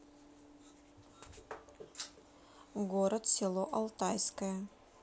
город село алтайское